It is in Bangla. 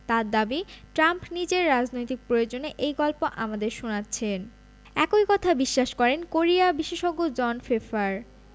তাঁর দাবি ট্রাম্প নিজের রাজনৈতিক প্রয়োজনে এই গল্প আমাদের শোনাচ্ছেন একই কথা বিশ্বাস করেন কোরিয়া বিশেষজ্ঞ জন ফেফফার